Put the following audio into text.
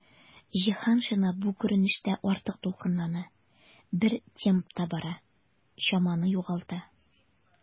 Җиһаншина бу күренештә артык дулкынлана, бер темпта бара, чаманы югалта.